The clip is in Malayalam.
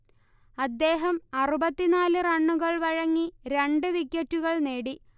അദ്ദേഹം അറുപത്തി നാല് റണ്ണുകൾ വഴങ്ങി രണ്ട് വിക്കറ്റുകൾ നേടി